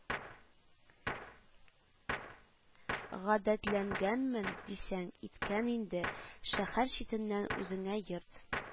Гадәтләнгәнмен, дисең икән инде, шәһәр читеннән үзеңә йорт